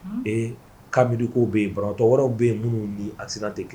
Hannn ee kabiri kow be ye banabaatɔ wɛrɛw be ye minnu ni accident te ke